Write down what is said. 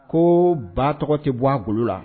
Ko ba tɔgɔ ti bɔ a golo la